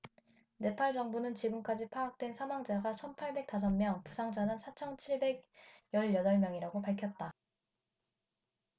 네팔 정부는 지금까지 파악된 사망자가 천 팔백 다섯 명 부상자는 사천 칠백 열 여덟 명이라고 밝혔다